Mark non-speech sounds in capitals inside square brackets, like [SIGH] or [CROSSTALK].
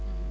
[HESITATION] [HESITATION]